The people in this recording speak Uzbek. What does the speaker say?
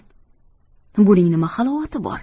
buning nima halovati bor